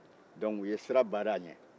dɔnc u ye sira barre a ɲɛ